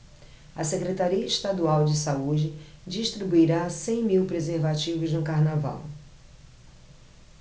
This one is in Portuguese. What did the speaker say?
a secretaria estadual de saúde distribuirá cem mil preservativos no carnaval